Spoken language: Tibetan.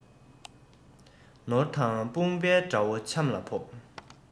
ནོར དང དཔུང གིས དགྲ བོ ཆམ ལ ཕོབ